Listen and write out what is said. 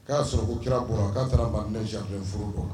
K'a sɔrɔ kira kɔrɔ a k'a taara ban furu kɔrɔ la